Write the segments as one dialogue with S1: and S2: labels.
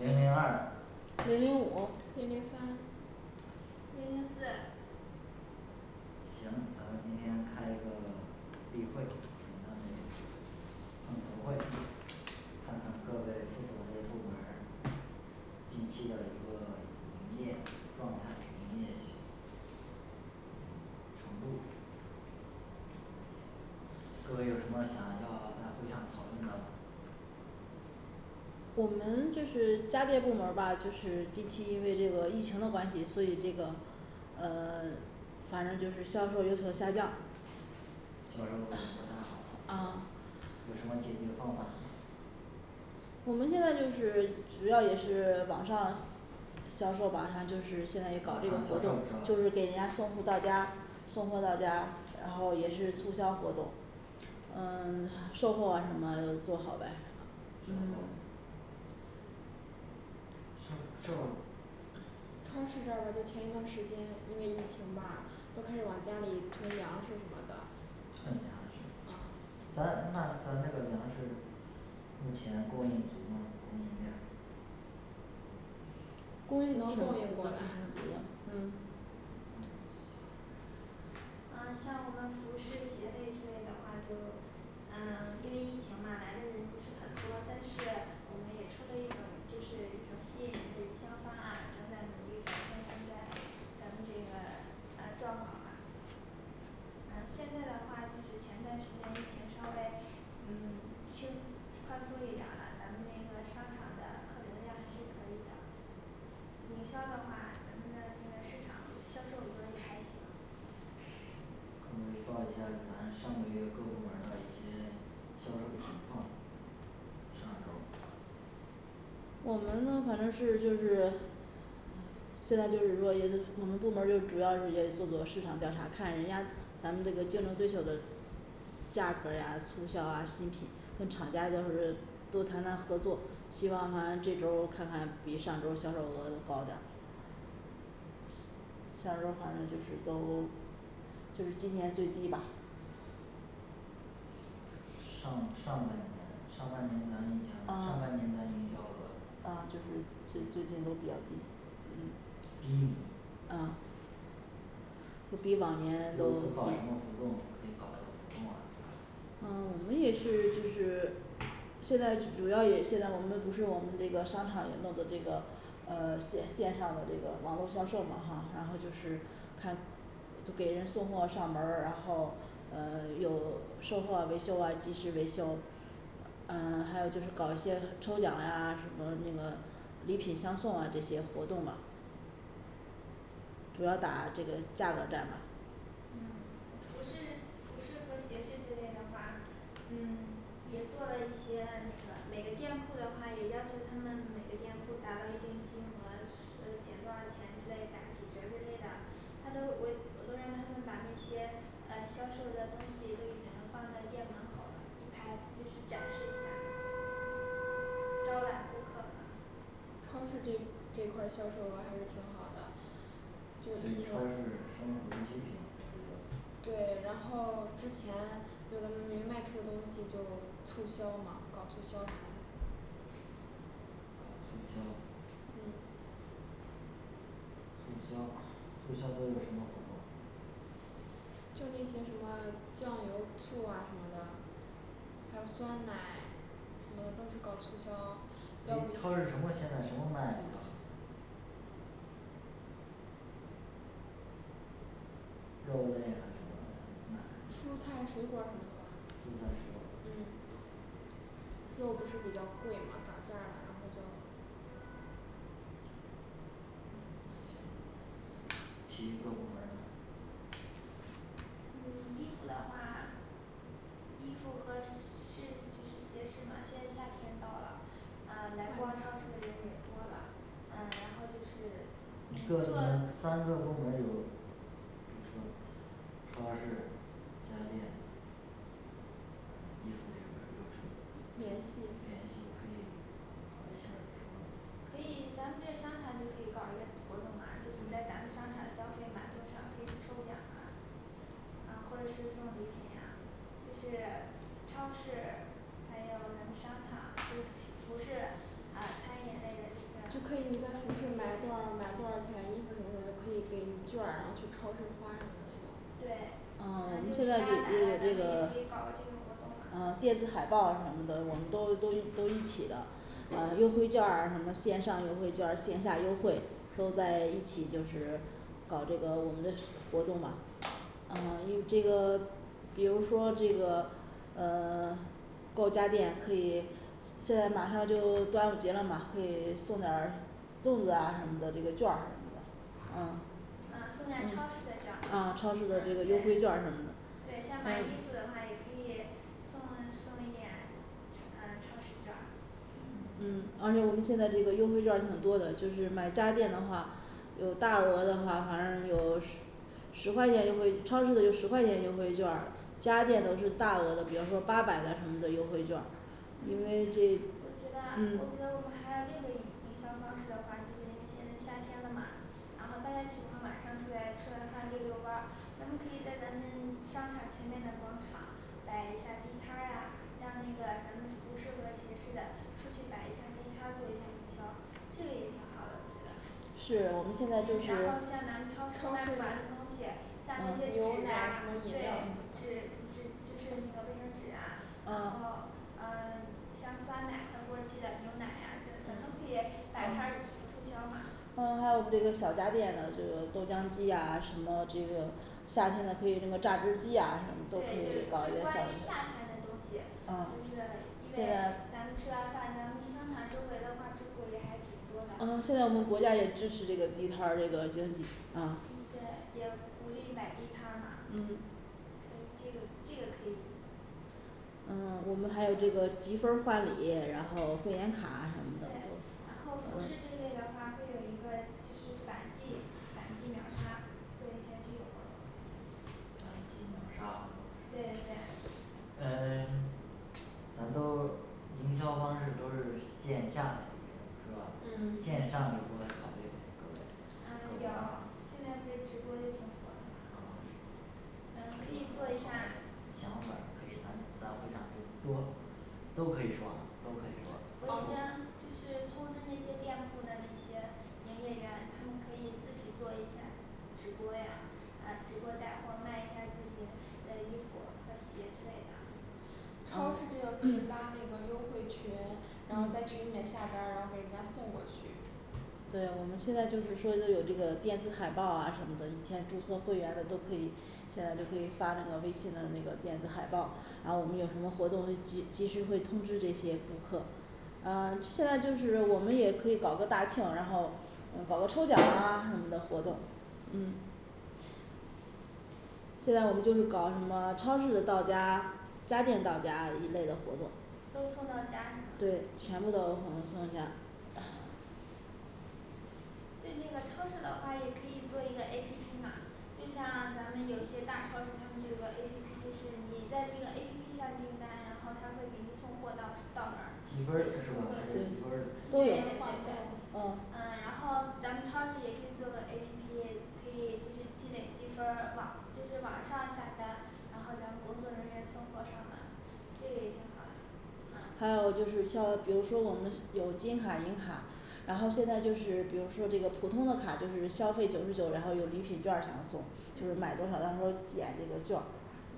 S1: 零零二
S2: 零零五
S3: 零零三
S4: 零零四
S1: 行，咱们今天开一个例会，简单嘞碰头会，看看各位负责嘞部门儿近期的一个营业状态、营业性嗯程度行。各位有什么想要在会上讨论到的
S2: 我们就是家电部门儿吧就是近期因为这个疫情的关系，所以这个呃 反正就是销售有所下降
S1: 销售部门不太好是
S2: 啊
S1: 吧？有什么解决方法没
S2: 我们现在就是主要也是网上销售吧，反正就是现在
S1: 网上销售
S2: 也搞这个活动，就
S1: 是吧
S2: 是给人家送货到家，送货到家然后也是促销活动嗯售后啊什么的都做好呗
S1: 售
S2: 嗯
S1: 后销售
S3: 超市这儿就前一段时间，因为疫情吧，都开始往家里囤粮食什么的
S1: 囤粮食
S3: 啊
S1: 咱那咱这个粮食目前供应足吗供应量
S3: 供应能供应过来嗯
S4: 呃像我们服饰鞋类之类的话，就呃因为疫情嘛来的人不是很多，但是我们也出了一种就是一种吸引人的营销方案，正在努力改善现在咱们这个呃状况吧嗯现在的话就是前段时间疫情稍微嗯轻宽松一点儿了，咱们那个商场的客流量还是可以的营销的话，咱们的那个市场销售额也还行
S1: 可以报一下你们上个月各部门儿的一些销售情况上周儿
S2: 我们反正是就是现在就是说也是我们部门儿就主要也做做市场调查，看人家咱们这个竞争对手的价格呀促销啊，新品跟厂家就是多谈谈合作，希望反正这周看看比上周销售额高点儿销售反正就是都就是今年最低吧
S1: 上上半年上半年咱已经上
S2: 嗯
S1: 半年咱已经交了
S2: 啊就是最最近都比较低嗯
S1: 低
S2: 啊就比往年
S1: 就说搞什么活动可以搞这个活动啊
S2: 啊我们也是就是现在主要也现在我们不是我们那个商场也弄的这个，呃线线上的这个网络销售嘛哈，然后就是看就给人送货上门儿，然后呃又售后维修啊，及时维修，呃还有就是搞一些抽奖呀，什么那个礼品相送这些活动嘛主要打这个价格战嘛
S4: 嗯服饰服饰和鞋饰之类的话，嗯也做了一些那个每个店铺的话，也要求他们每个店铺达到一定金额，呃减多少钱之类，打几折之类的他都我我都让他们把那些呃销售的东西都已经放在店门口了，一排子就是展示一下，招揽顾客
S3: 超市这这块儿销售额还是挺好的就
S1: 等于
S3: 是说
S1: 说是生活必需品比较
S3: 对，然后之前有的没卖出的东西就促销嘛搞促销
S1: 搞促销
S3: 嗯
S1: 促销促销都有什么活动
S3: 就那些什么酱油醋啊什么的，还有酸奶，什么都是搞促销
S1: 诶超市什么现在什么卖得比较好肉类还是什么的
S3: 蔬
S1: 蔬菜
S3: 菜水
S1: 水
S3: 果
S1: 果
S3: 什。么的吧嗯肉不是比较贵嘛涨价儿了，然后就
S1: 嗯行其余各部门儿呢
S4: 嗯衣服的话衣服和饰就是鞋饰嘛现在夏天到了呃来逛超市的人也多了嗯然后就是你
S1: 各
S4: 各
S1: 部门儿三个部门儿有比如说超市、家电
S4: 可以咱们这商场就可以搞一个活动嘛，就是在咱们商场消费满多少可以去抽奖啊，啊或者是送礼品呀就是超市，还有咱们商场就是服饰呃餐饮类的
S3: 就
S4: 就
S3: 可以
S4: 是，
S3: 你在服饰买多少满多少钱衣服什么的可以给你劵儿然后去超市花什么的那种
S4: 对呃六一八来了咱们也可以搞这个活动
S2: 呃
S4: 嘛。
S2: 电子海报什么的我们都都都一起的呃优惠劵儿什么线上优惠劵儿，线下优惠都在一起就是搞这个我们的活动嘛呃因为这个比如说这个呃 购家电可以现在马上就端午节了嘛，可以送点儿粽子啊什么的这个劵儿啊
S4: 呃送点超市的劵儿
S2: 啊
S4: 呃
S2: 超市的
S4: 对
S2: 这个优惠
S4: 对
S2: 劵儿什么的
S4: 想买衣服的话也可以送送一点呃超市劵儿
S1: 嗯
S2: 嗯而且我们现在这个优惠劵儿挺多的，就是买家电的话有大额的话反正有十十块钱优惠超市的有十块钱优惠劵儿家电都是大额，比如说八百的什么的优惠劵儿
S4: 嗯我觉得我
S2: 因为这
S4: 觉
S2: 嗯
S4: 得我们还有另一个营销方式的话，就是因为现在夏天了嘛然后大家喜欢晚上出来吃完饭溜溜弯儿咱们可以在咱们商场前面的广场摆一下地摊儿呀，让那个咱们服饰和鞋饰的出去摆一下地摊儿，做一下营销，这个也挺好的我觉得
S2: 是我们
S4: 嗯然
S2: 现在就是
S4: 后像咱们超
S3: 超
S4: 市卖
S3: 市
S4: 不完的东西，像那些纸
S3: 牛奶
S4: 啊
S3: 什么饮
S4: 对
S3: 料什
S4: 纸
S3: 么的
S4: 纸就是那个卫生纸啊，然
S3: 嗯
S4: 后呃像酸奶快过期的牛奶啊，这咱都可以摆摊儿促销嘛
S2: 放开我们这个小家店的这个豆浆机呀，什么这个夏天的可以什么榨汁机啊什么都
S4: 对
S2: 可以
S4: 对就
S2: 搞
S4: 关
S2: 一
S4: 于
S2: 个呃
S4: 夏天的东西，就是因为咱们吃完饭，咱们去商场周围的话住户也还挺多
S2: 啊现在
S4: 的
S2: 咱们国家也支持这个地摊儿这个经济啊
S4: 对也鼓励摆地摊儿嘛，可以
S2: 嗯
S4: 这个这个可以
S2: 呃我们还有这个积分儿换礼，然后会员卡什么的
S4: 对，然后服饰这类的话会有一个就是反季反季秒杀做一些这个活动
S1: 反季秒杀活动
S4: 对对对
S1: 呃 咱都营销方式都是线下的一种，是吧？
S4: 嗯
S1: 线上就不会考虑各位呃
S4: 嗯有现在不是直播就挺火的嘛
S1: 呃是
S4: 嗯
S1: 有什么
S4: 可以
S1: 好
S4: 做
S1: 嘞
S4: 一下
S1: 想法儿可以咱在会上就多都可以说啊都可以说
S4: 我已经就是通知那些店铺的那些营业员，他们可以自己做一下直播呀，啊直播带货，卖一下自己的衣服和鞋之类的
S3: 超市这个可以发那个优惠群，然后在群里面下单儿，然后给人家送过去
S2: 对，我们现在就是说都有这个电子海报啊什么的，以前注册会员的都可以现在可以发那个微信的那个电子海报然后我们有什么活动及及时会通知这些顾客呃现在就是我们也可以搞个大庆，然后呃搞个抽奖啊什么的活动嗯现在我们就是搞什么超市的到家，家电到家一类的活动
S4: 都送到家是吗？
S2: 对全部都有可能送家
S4: 对那个超市的话也可以做一个A P P嘛，就像咱们有些大超市他们这个A P P就是你在 那个A P P上订单，然后他会给你送货到到门儿
S1: 积分儿是说还是说
S2: 积分儿换购
S4: 对对对对
S1: 是
S2: 是吧
S4: 呃然后咱们超市也可以做个A P P可以就是积累积分儿，网就是网上下单然后咱们工作人员送货上门，这个也挺好的
S2: 还
S4: 呃
S2: 有就是像比如说我们有金卡银卡然后现在就是比如说这个普通的卡就是消费九十九，然后有礼品劵儿相送，就是买多少到时候减这个劵儿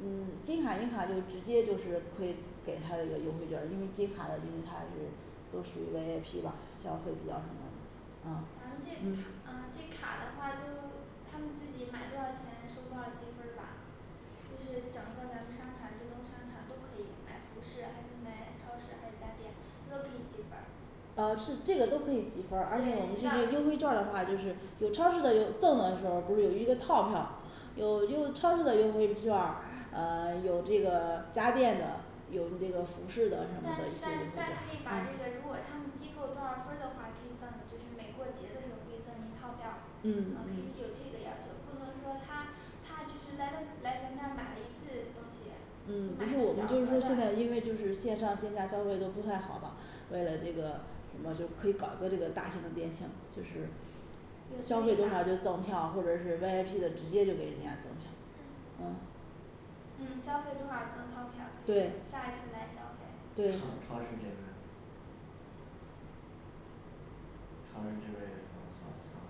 S2: 嗯金卡银卡就直接就是可以给他这个优惠劵儿，因为金卡的他是都属于V I P吧消费比较呃
S4: 咱们这卡
S2: 嗯
S4: 嗯这卡的话就他们自己买多少钱，收多少积分儿吧就是整个咱们商场这种商场都可以买服饰，还是买超市还是家电他都可以积分儿
S2: 呃是这个都可以积分儿，而且我
S4: 对
S2: 们现
S4: 知
S2: 在
S4: 道
S2: 优惠劵儿的话就是有超市的，有赠的时候儿不是有一个套票有有超市的优惠劵儿，呃有这个家电的，有这个服饰的
S4: 但
S2: 嗯
S4: 但但可以把这个如果他们积够多少分儿的话可以赠，就是每过节的时候可以赠您套票呃
S2: 嗯
S4: 可以
S2: 嗯
S4: 有这个要求不能说他他就是来到来咱这儿买了一次东西
S2: 嗯不是我们，
S4: 就
S2: 就
S4: 买
S2: 说
S4: 个小
S2: 现
S4: 额
S2: 在
S4: 的
S2: 因为就是线上线下消费都不太好嘛为了这个我们就可以搞一个这个大型的店庆，就是就消
S4: 就可
S2: 费
S4: 以
S2: 多
S4: 满
S2: 了就赠票或者是V I P的直接就给人家赠票嗯
S4: 嗯消费多少赠套票可以
S2: 对
S4: 下一次来消费
S2: 对
S1: 超市这边超市这边有什么好的想法吗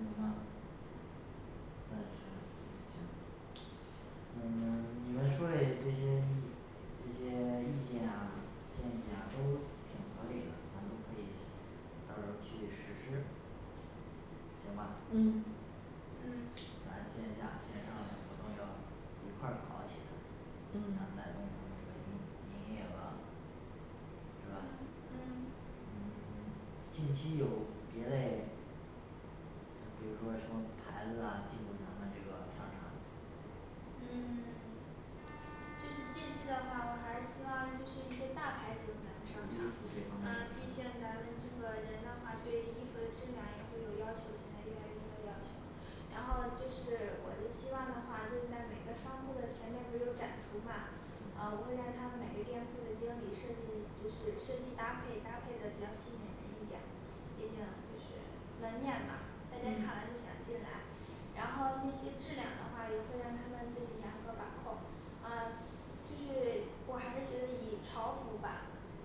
S1: 有吗？但行嗯行嗯 你们说嘞这些意这些意见啊建议啊都挺合理的，咱都可以到时候去实施。行吧？
S2: 嗯
S4: 嗯
S1: 咱线下线上嘞活动要一块儿搞起来，来带动咱们这个营营业额是
S4: 嗯
S1: 吧嗯
S4: 嗯
S1: 嗯近期有别嘞，呃比如说什么牌子啊进入咱们这个商场
S4: 嗯 就是近期的话我还是希望就是一些大牌进入
S1: 就是
S4: 咱们商
S1: 衣
S4: 场
S1: 服这方，
S4: 啊毕
S1: 面行
S4: 竟咱们这个人的话对衣服的质量也会有要求现在越来越多的要求然后就是我就希望的话就在每个商铺的前面儿不是有展橱嘛，啊我会让他每个店铺的经理设计就是设计搭配搭配的比较吸引人一点儿毕竟就是门面嘛，大家看来就想进来，然后那些质量的话也会让他们自己严格把控，呃就是我还是觉得以潮服吧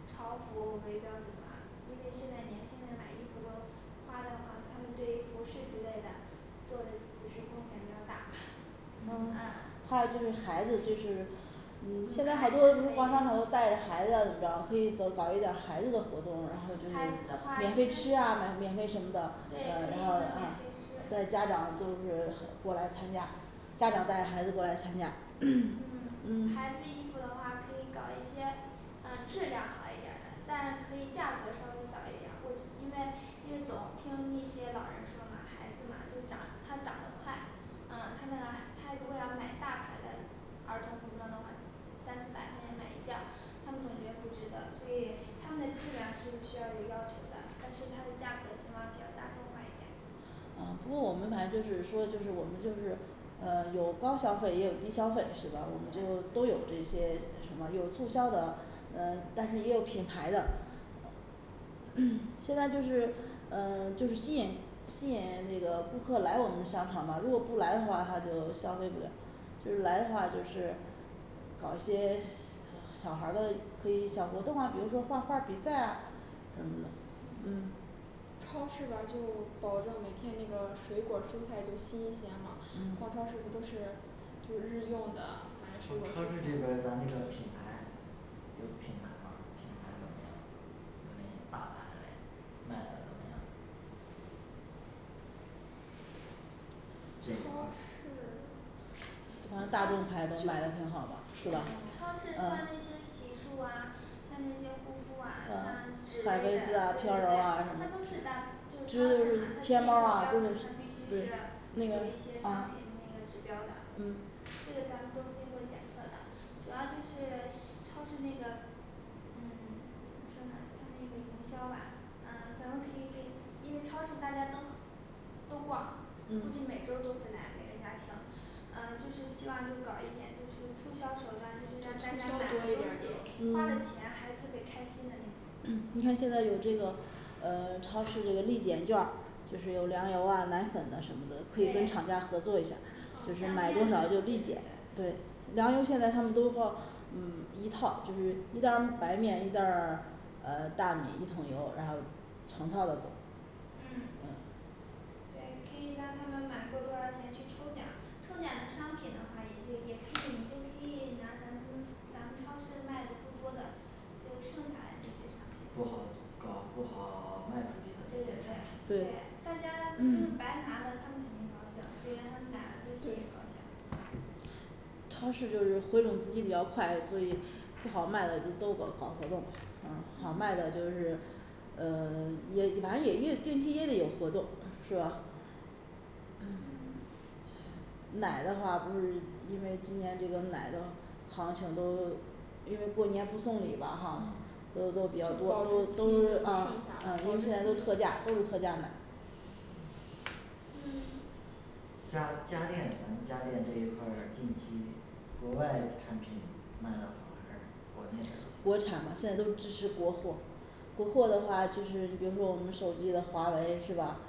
S4: 潮服为标准嘛，因为现在年轻人买衣服都花的话，他们对于服饰之类的做的就是贡献比较大
S3: 嗯
S4: 嗯
S2: 还有就是孩子就是
S4: 嗯
S2: 现在好
S4: 孩子可
S2: 多
S4: 以
S2: 逛商场都带着孩子怎么着可以走，搞一点儿孩子的活动然后就
S4: 孩子的话
S2: 是免费吃啊免费什么的
S4: 对可以就免费
S2: 呃然后
S4: 吃
S2: 让家长就是过来参加家长带孩子过来参加 嗯
S4: 嗯孩子衣服的话，可以搞一些质量嗯好一点儿的，但可以价格稍微小一点儿，我因为因为总听那些老人说嘛孩子嘛就长他长得快，嗯他如果要买大牌的儿童服装的话三四百块钱买一件儿，他们总觉得不值得，所以他们的质量是需要有要求的，但是它的价格希望比较大众化一点
S2: 呃不过我们本来就是说我们就是呃有高消费，也有低消费是吧？我们就都有这些什么有促销的呃但是也有品牌的 现在就是呃就是吸引吸引这个顾客来，我们商场嘛如果不来的话，他就消费不了就是来的话就是搞一些小孩儿的可以小活动啊，比如说画画比赛啊，嗯嗯
S3: 超市吧就保证每天那个水果儿蔬菜都新鲜嘛逛
S2: 嗯
S3: 超市不都是就日用的买
S1: 就超市
S3: 一个
S1: 这边儿咱这个品牌有品牌吗？品牌怎么样？有那些大牌嘞卖的怎么样对
S3: 超
S1: 超市
S3: 市
S2: 反正大众牌都卖的挺好的是吧
S4: 超市像
S2: 嗯
S4: 那些洗漱啊像那些护肤啊像纸
S2: 嗯海
S4: 类
S2: 飞丝啊
S4: 的，对对
S2: 飘柔
S4: 对，
S2: 啊
S4: 它都是单就是超市嘛它
S2: 天
S4: 现
S2: 猫啊
S4: 货标准，它必
S2: 嗯
S4: 须是有一些商品那个指标的这个都咱们都经过检测的主要就是超市那个，嗯怎么说呢他那个营销吧啊咱们可以给，因为超市大家都都逛，估计每周都会来每个家庭呃就是希望就搞一点就是促销手段，就是让大家买的东西花的钱还是特别开心的那种
S2: 嗯你看现在有这个呃超市这个立减劵儿，就是有粮油啊奶粉啊什么的，可以跟
S4: 对
S2: 厂家合作一下
S4: 像，
S2: 买
S4: 面
S2: 多少就
S4: 粉
S2: 进一点对粮油现在现在他们都报嗯一套就是一袋儿白面一袋儿呃大米一桶油然后成套的走
S4: 嗯
S2: 嗯
S4: 对，可以让他们买够多少钱去抽奖抽奖的商品的话，也可以也可以你就可以拿咱们咱们超市卖的不多的就剩下来那些商品对
S1: 不好搞，不好卖出去的那些商
S4: 对对
S1: 品
S4: 对
S2: 对
S4: 大家就是白拿的他们肯定高兴虽然他们买了东西也高兴
S2: 超市就是回笼资金比较快，所以不好卖的都搞搞活动嗯好卖的都是呃 也反正也月定期也得有活动是吧
S1: 嗯
S4: 嗯
S1: 行
S2: 奶的话不是因为今年这个奶的行情都因为过年不送礼嘛哈，做的都比较多
S3: 都
S2: 都
S3: 剩
S2: 啊
S3: 下了
S2: 都现在都特价都是特价卖
S4: 嗯
S1: 像家电咱家电这一块儿近期国外嘞产品卖了好还是国内
S2: 国产的现在都支持国货，国货的话，就是比如说我们手机的华为是吧？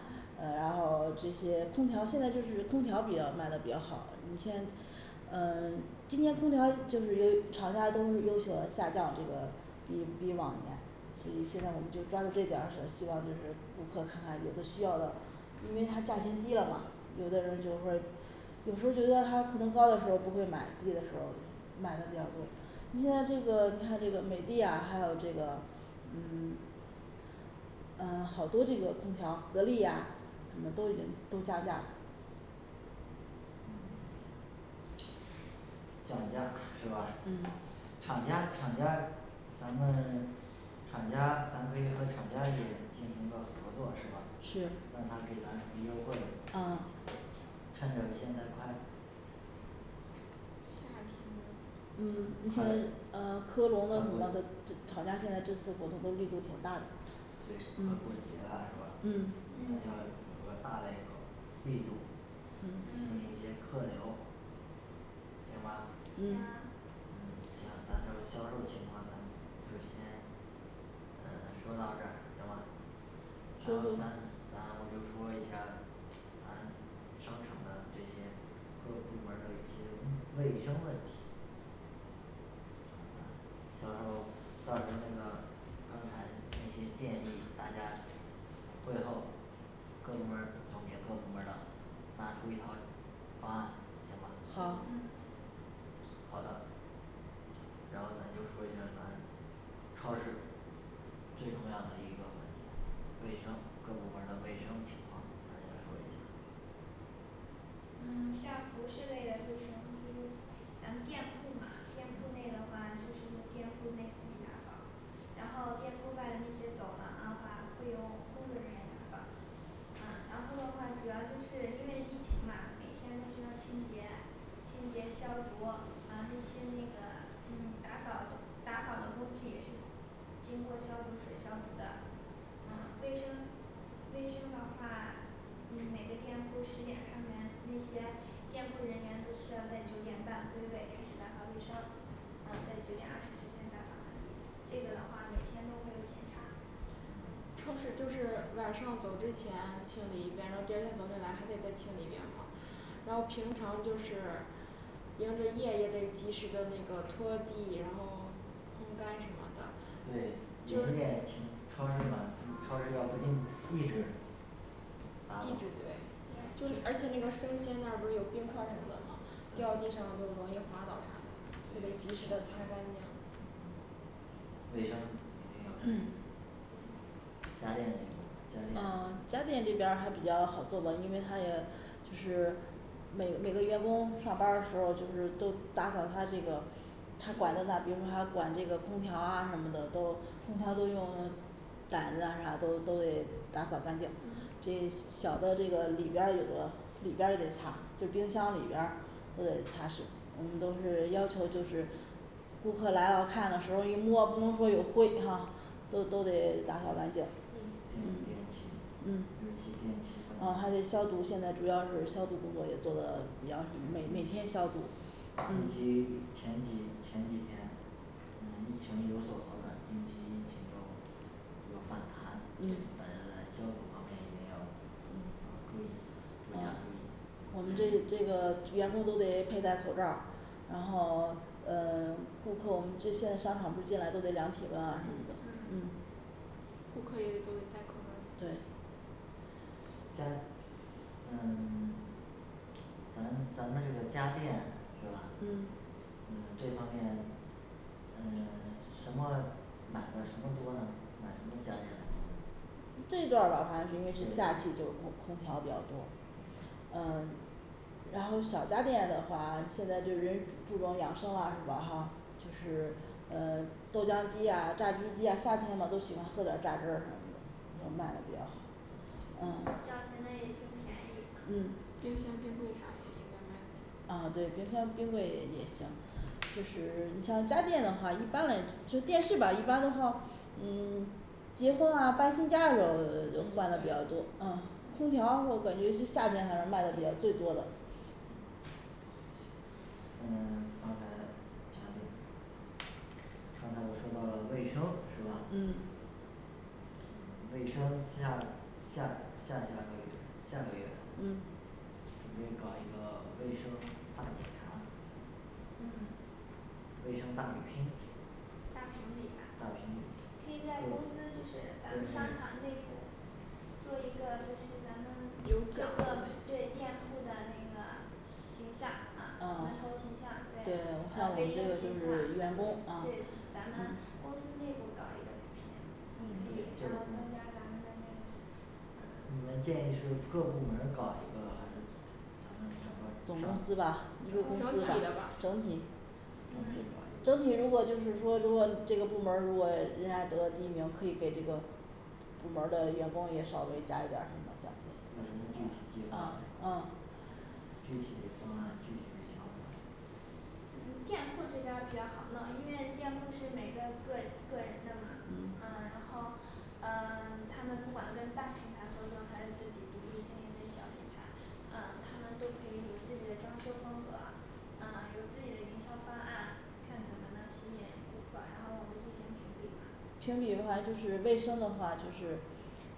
S2: 呃然后这些空调现在就是空调比较卖的比较好我们现呃今年空调就是由于厂家都是有所下降这个，比比往年，所以现在我们就抓住这点儿，是希望就是顾客看看有的需要的因为他价钱低了嘛，有的人就是说有时候觉得他可能高的时候不会买低的时候买的比较多，现在这个你看这个美的还有这个嗯 呃好多这个空调，格力呀什么都已经都降价了
S1: 嗯降价是吧
S2: 嗯
S1: 厂家厂家咱们厂家咱可以和厂家也进行一个合作是吧？
S2: 是
S1: 让他给咱什么优惠
S2: 啊。
S1: 趁着现在快
S4: 夏天嗯
S2: 呃科龙了什么的厂家现在这次活动都力度挺大的
S1: 对，快
S2: 嗯
S1: 过节了是吧？咱
S2: 嗯
S4: 嗯
S1: 要有个大嘞一个力度吸引一些客流行吧嗯
S2: 嗯
S4: 行
S1: 行咱这销售情况咱就先呃说到这儿行吧然后咱咱我就说一下咱商场的这些各部门儿的一些卫生问题销售到时候那个刚才那些建议大家会后各部门儿总结各部门儿的拿出一套方案行吧
S2: 好
S4: 嗯
S1: 好的然后咱就说一下咱超市最重要的一个环节。卫生各部门儿的卫生情况，大家说一下
S4: 嗯像服饰类的这种就是咱们店铺嘛店铺内的话就是店铺内自己打扫，然后店铺外的那些走廊的话会有工作人员打扫啊然后的话主要就是因为疫情嘛每天都需要清洁，清洁消毒呃那些那个嗯打扫打扫的工具也是经过消毒水消毒的嗯卫生，卫生的话，就是每个店铺十点开门，那些店铺人员都需要在九点半归位，开始打扫卫生，嗯在九点二十之前打扫完毕，这个的话每天都会有检查
S1: 嗯
S3: 超市就是晚上走之前清理一遍，然后第二天早上来还得再清理一遍嘛然后平常就是迎着夜也得及时的那个拖地然后烘干什么的
S1: 对营业情超市嘛超市要不定，一直打扫
S3: 一直对
S1: 对
S3: 而且那个生鲜那儿不是有冰块什么的嘛，掉地上就容易滑倒啥的。对，及时的擦干净
S1: 卫生一定要注家电这块
S2: 啊
S1: 儿家电
S2: 家电这边儿还比较好做嘛，因为它也就是每每个员工上班儿的时候儿就是都打扫他这个他管的那儿比如说他管那个空调啊什么的都空调都用掸子啊啥都都得打扫干净所以小的这个里边儿有个里边儿得擦，就冰箱里边儿都得擦拭，我们都是要求就是顾客来了看的时候儿一摸不能说有灰哈都都得打扫干净
S1: 对电电
S2: 嗯
S1: 梯
S2: 啊
S1: 尤
S2: 还得消
S1: 其
S2: 毒，现在主
S1: 电
S2: 要是消毒
S1: 梯
S2: 工作也做
S1: 可
S2: 得比较好
S1: 能，
S2: 每每
S1: 尤
S2: 天消毒
S1: 其前几前几天嗯疫情有所好转，近期疫情又有反弹，
S2: 嗯
S1: 大家在消毒方面一定要注意，多加注意
S2: 我们
S4: 嗯
S2: 对这个员工都得佩戴口罩，然后呃顾客我们这些商场都进来都得量体温啊什么的
S3: 嗯
S2: 嗯
S3: 不可以就是不戴口罩
S2: 对
S1: 家嗯 咱们咱们这个家电是吧？嗯
S2: 嗯
S1: 这方面呃 什么买的什么多呢，买什么家电的多呢
S2: 这一段儿吧反正因为是夏季
S1: 对
S2: 就空空调比较多，呃然后小家电的话，现在就人注重养生了，什么哈就是呃豆浆机呀，榨汁机呀，夏天嘛都喜欢喝点榨汁儿什么的。都卖的比较好嗯
S4: 嗯像现在也挺便宜嘛，冰箱冰柜上也应该卖的
S2: 啊
S4: 挺
S2: 对，冰箱冰
S4: 多
S2: 柜也行就是你像家电的话，一般来就电视吧一般的话嗯结婚啊搬新家的时候呃 换的比较多嗯，空调我感觉是夏天的人卖的比较最多的
S1: 嗯 刚才家电，刚才我说到了卫生是吧
S2: 嗯
S1: 卫生下下下下个月下个月
S2: 嗯
S1: 准备搞一个卫生大检查
S2: 嗯
S1: 卫生大比拼
S4: 大评比
S1: 大
S4: 吧
S1: 评
S4: 可
S1: 比
S4: 以在公司就是咱们商场内部做一个就是咱们
S2: 有
S4: 各
S2: 奖啊
S4: 个对店铺的那个形象，啊
S2: 啊
S4: 门头形象，
S2: 对
S4: 对
S2: 想
S4: 呃
S2: 我们
S4: 卫
S2: 这
S4: 生
S2: 个就
S4: 形象，
S2: 是
S4: 对
S2: 员工啊
S4: 对咱们公司内部搞一个比拼也可以增增加咱们的
S1: 你们建议是
S4: 那个呃
S1: 各部门儿搞一个还是咱们
S2: 整
S1: 整个
S2: 公司
S1: 商
S2: 吧
S4: 整体的吧
S2: 整体
S4: 嗯
S2: 整体如果就是说如果这个部门儿如果人家得到第一名，可以给这个部门儿的员工也稍微加一点儿什么的
S1: 有什么具体计划
S2: 啊
S1: 没
S2: 啊，
S1: 具体嘞方案，具体嘞想法儿
S4: 嗯店铺这边儿比较好弄，因为店铺是每个个个人的嘛，呃然后呃 他们不管跟大品牌合作，还是自己独立经营的小品牌，呃他们都可以有自己的装修风格呃有自己的营销方案，看怎么能吸引顾客，然后我们进行评比嘛
S2: 评比的话就是卫生的话就是